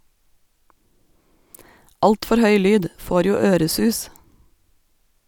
Altfor høy lyd - får jo øresus.